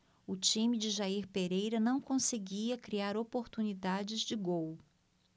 o time de jair pereira não conseguia criar oportunidades de gol